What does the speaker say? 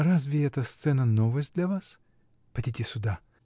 Разве эта сцена — новость для вас? Подите сюда!